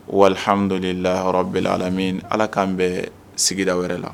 Ala k'an bɛɛ sigida wɛrɛ la